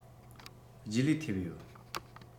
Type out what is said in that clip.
རྗེས ལུས ཐེབས ཡོད